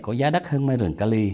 có giá đắt hơn mai rừng ca li